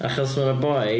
Achos mae'r boi...